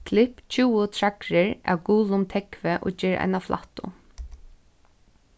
klipp tjúgu træðrir av gulum tógvi og ger eina flættu